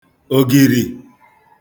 ògìrì